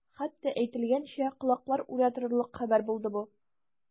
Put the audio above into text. Хатта әйтелгәнчә, колаклар үрә торырлык хәбәр булды бу.